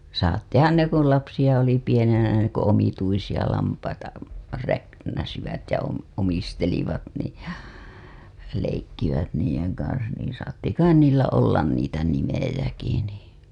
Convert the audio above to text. saattoihan ne kun lapsia oli pienenä ne kun omituisia lampaita räknäsivät ja - omistelivat niin leikkivät niiden kanssa niin saattoi kai niillä olla niitä nimiäkin niin